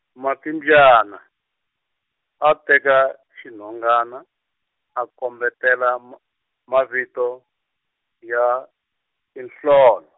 Matibyana, a teka xinhongana, a kombetela ma- mavito, ya, tinhlolo.